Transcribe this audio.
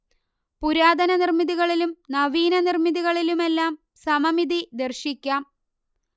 പുരാതന നിർമിതികളിലും നവീനനിർമിതികളിലുമെല്ലാം സമമിതി ദർശിക്കാം